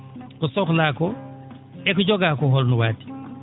ko sohlaa koo e ko jogaa koo holno waadi